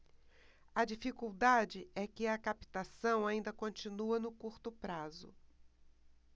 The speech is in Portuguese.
a dificuldade é que a captação ainda continua no curto prazo